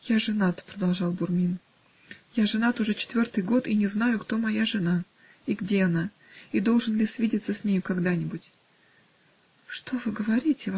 -- Я женат, -- продолжал Бурмин, -- я женат уже четвертый год и не знаю, кто моя жена, и где она, и должен ли свидеться с нею когда-нибудь! -- Что вы говорите?